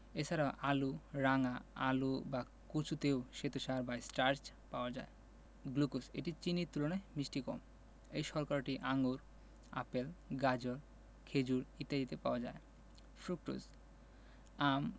এছাড়া আলু রাঙা আলু বা কচুতেও শ্বেতসার বা স্টার্চ পাওয়া যায় গ্লুকোজ এটি চিনির তুলনায় মিষ্টি কম এই শর্করাটি আঙুর আপেল গাজর খেজুর ইত্যাদিতে পাওয়া যায় ফ্রুকটোজ আম